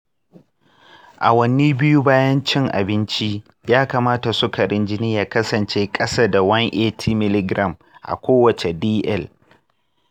awanni biyu bayan cin abinci, ya kamata sukarin jini ya kasance ƙasa da 180 mg a kowace dl